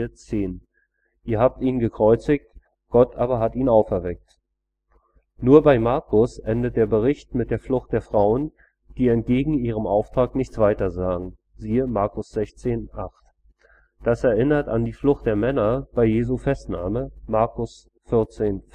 EU): Ihr habt ihn gekreuzigt, Gott aber hat ihn auferweckt! Nur bei Markus endet der Bericht mit der Flucht der Frauen, die entgegen ihrem Auftrag nichts weitersagen (Mk 16,8). Das erinnert an die Flucht der Männer bei Jesu Festnahme (Mk 14,50